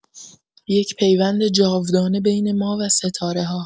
یک پیوند جاودانه بین ما و ستاره‌ها